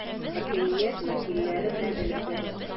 Хакимият вәкилләре белән элемтәдә тора.